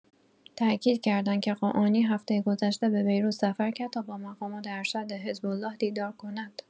تاکید کردند که قاآنی هفته گذشته به بیروت سفر کرد تا با مقامات ارشد حزب‌الله دیدار کند.